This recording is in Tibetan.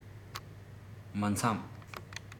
མི འཚམས